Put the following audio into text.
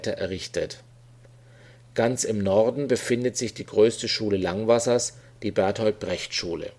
errichtet. Ganz im Norden befindet sich die größte Schule Langwassers, die Bertolt-Brecht-Schule